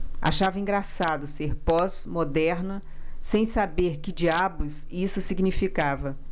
achava engraçado ser pós-moderna sem saber que diabos isso significava